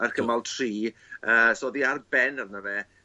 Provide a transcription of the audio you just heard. ar gymal tri yy so o'dd 'i ar ben arno fe